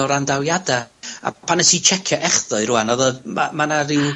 o randawiada, a pan nes i tsiecio echddoe rŵan odd o ma' ma' 'na ryw...